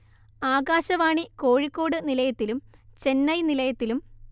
ആകാശവാണി കോഴിക്കോട് നിലയത്തിലും ചെന്നൈ നിലയത്തിലും